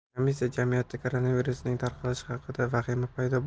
komissiya jamiyatda koronavirusning tarqalishi haqida vahima paydo